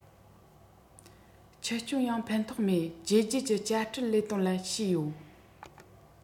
ཆུ སྐྱོན ཡང ཕན ཐོགས མེད བརྒྱད བརྒྱད ཀྱི བསྐྱར སྐྲུན ལས དོན ལ བྱས ཡོད